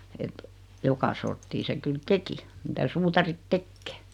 että joka sorttia se kyllä teki mitä suutarit tekee